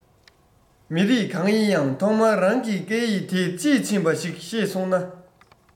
མི རིགས གང ཡིན ཡང ཐོག མར རང གི སྐད ཡིག དེ དཔྱིས ཕྱིན པ ཞིག ཤེས སོང ན